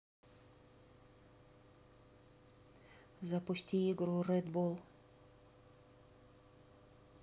запусти игру ред бол